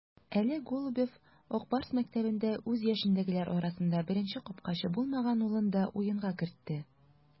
Әле Голубев "Ак Барс" мәктәбендә үз яшендәгеләр арасында беренче капкачы булмаган улын да уенга кертте.